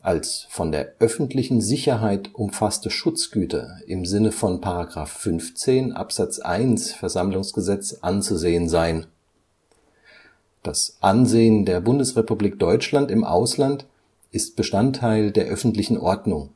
“als von der öffentlichen Sicherheit umfasste Schutzgüter im Sinne von § 15 Abs. 1 VersammlG anzusehen seien. Das „ Ansehen der Bundesrepublik Deutschland im Ausland “ist Bestandteil der öffentlichen Ordnung